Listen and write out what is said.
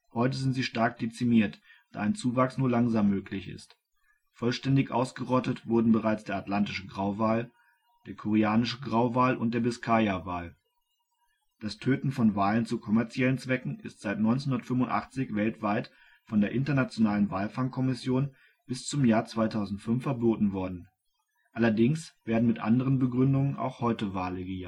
Heute sind sie stark dezimiert, da ein Zuwachs nur langsam möglich ist. Vollständig ausgerottet wurden bereits der Atlantische Grauwal, der koreanische Grauwal und der Biskayawal. Das Töten von Walen zu kommerziellen Zwecken ist seit 1985 weltweit von der Internationalen Walfangkommission bis zum Jahr 2005 verboten worden. Allerdings werden mit anderen Begründungen auch heute Wale